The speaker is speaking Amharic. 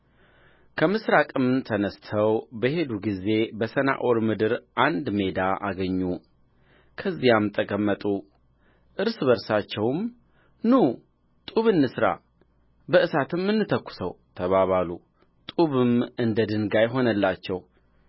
ከምሥራቅም ተነሥተው በሄዱ ጊዜ በሰናዖር ምድር አንድ ሜዳ አገኙ በዚያም ተቀመጡ እርስ በርሳቸውም ኑ ጡብ እንሥራ በእሳትም እንተኵሰው ተባባሉ ጡቡም እንደ ድንጋይ ሆነላቸው